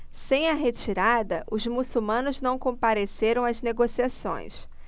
sem a retirada os muçulmanos não compareceram às negociações